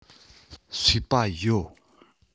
སོས པ ཡོད